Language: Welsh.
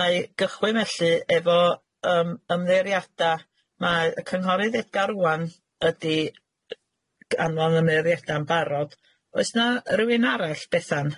nâi gychwyn felly efo yym ymddeiriada mae y cynghorydd Edgar Owan di g- anfon ymddeiriada yn barod oes na rywun arall Bethan?